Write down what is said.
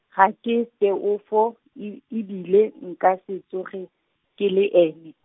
ga ke Teofo, e e bile nka se tsoge ke le ene.